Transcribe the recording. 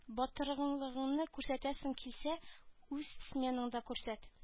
Батырлыгыңны күрсәтәсең килсә үз сменаңда күрсәт